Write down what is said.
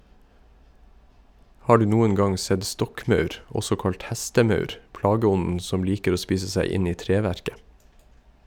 Har du noen gang sett stokkmaur , også kalt hestemaur , plageånden som liker å spise seg inn i treverket?